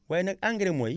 waye nag engrais mooy